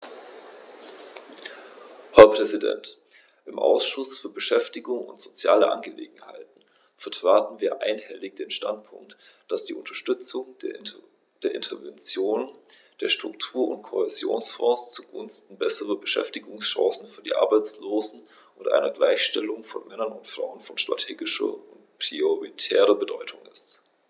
Herr Präsident, im Ausschuss für Beschäftigung und soziale Angelegenheiten vertraten wir einhellig den Standpunkt, dass die Unterstützung der Interventionen der Struktur- und Kohäsionsfonds zugunsten besserer Beschäftigungschancen für die Arbeitslosen und einer Gleichstellung von Männern und Frauen von strategischer und prioritärer Bedeutung ist.